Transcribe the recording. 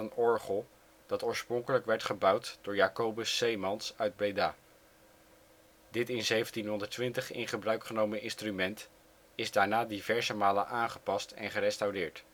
orgel dat oorspronkelijk werd gebouwd door Jacobus Zeemans uit Breda. Dit in 1720 in gebruik genomen instrument is daarna diverse malen aangepast en gerestaureerd